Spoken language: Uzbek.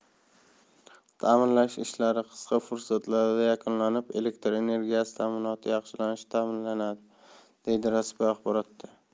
ta'mirlash ishlari qisqa fursatlarda yakunlanib elektr energiyasi ta'minoti yaxshilanishi ta'minlanadi deyiladi rasmiy axborotda